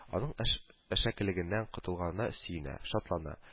Аның әшәкелегеннән котылганына сөенә, шатлана